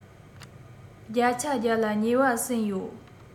རྒྱ ཆ རྒྱ ལ ཉེ བ ཟིན ཡོད